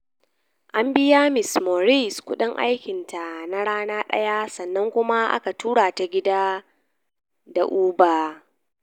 An biya ms. Maurice kudin aikin ta na rana daya sannan kuma aka tura ta gida da uber.